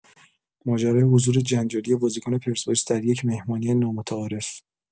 ماجرای حضور جنجالی بازیکن پرسپولیس در یک مهمانی نامتعارف!